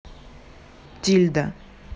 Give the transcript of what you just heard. тильда